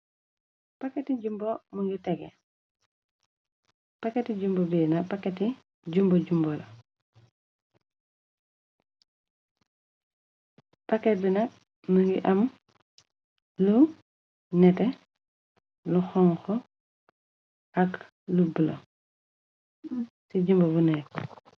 Paketi jumbola pakket binak mungi am lu nete lu xonxu ak lu bulo ci jumbo bunee.